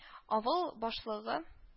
Авыл башлыгы